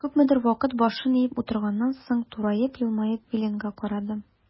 Күпмедер вакыт башын иеп утырганнан соң, тураеп, елмаеп Виленга карады.